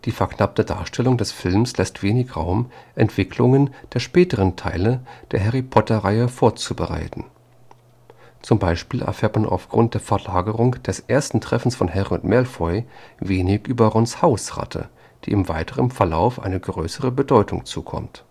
verknappte Darstellung des Films lässt wenig Raum, Entwicklungen der späteren Teile der Harry-Potter-Reihe vorzubereiten. Zum Beispiel erfährt man aufgrund der Verlagerung des ersten Treffens von Harry und Malfoy wenig über Rons Hausratte, der im weiteren Verlauf eine größere Bedeutung zukommt